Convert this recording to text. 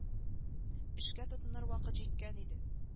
Эшкә тотыныр вакыт җиткән иде